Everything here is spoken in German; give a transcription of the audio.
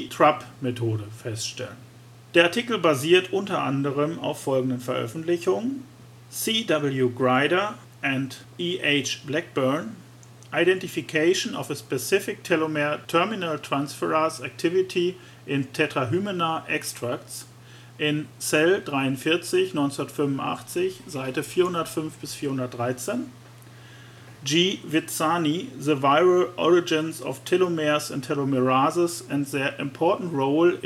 TRAP-Methode